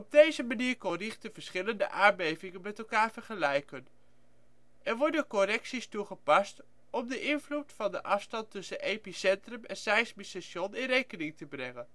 deze manier kon Richter verschillende aardbevingen met elkaar vergelijken. Er worden correcties toegepast om de invloed van de afstand tussen epicentrum en seismisch station in rekening te brengen